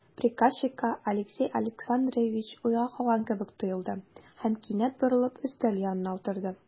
Приказчикка Алексей Александрович уйга калган кебек тоелды һәм, кинәт борылып, өстәл янына утырды.